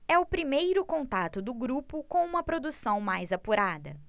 é o primeiro contato do grupo com uma produção mais apurada